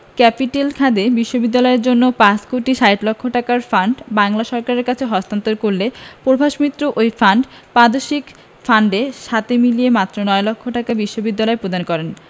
capital খাতে বিশ্ববিদ্যালয়ের জন্য ৫ কোটি ৬০ লাখ টাকার ফান্ড বাংলা সরকারের কাছে হস্তান্তর করলেও প্রভাস মিত্র ওই ফান্ড প্রাদেশিক ফান্ডেলর সাথে মিলিয়ে মাত্র নয় লক্ষ টাকা বিশ্ববিদ্যালয় প্রদান করেন